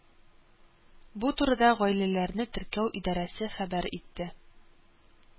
Бу турыда гаиләләрне теркәү идарәсе хәбәр итте